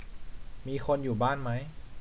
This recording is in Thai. มีคนอยู่บ้านไหม